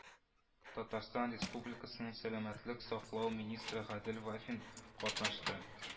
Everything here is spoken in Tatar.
Татарстан Республикасы сәламәтлек саклау министры Гадел Вафин катнашты